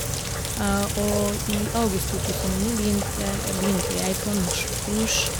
Og i august to tusen og ni begynte begynte jeg på norskkurs.